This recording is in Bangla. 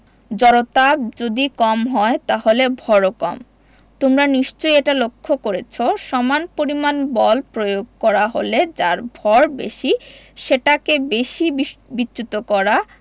জড়তা যদি কম হয় তাহলে ভরও কম তোমরা নিশ্চয়ই এটা লক্ষ করেছ সমান পরিমাণ বল প্রয়োগ করা হলে যার ভর বেশি সেটাকে বেশি বিস বিচ্যুত করা